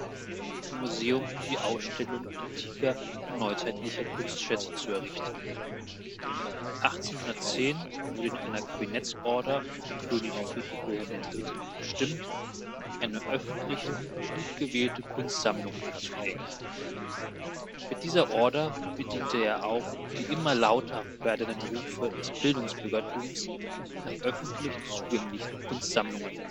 Museum für die Ausstellung antiker und neuzeitlicher Kunstschätze zu errichten. 1810 wurde in einer Kabinettsorder von König Friedrich Wilhelm III. bestimmt, „ eine öffentliche, gut gewählte Kunstsammlung “anzulegen. Mit dieser Order bediente er auch die immer lauter werdenden Rufe des Bildungsbürgertums nach öffentlich zugänglichen Kunstsammlungen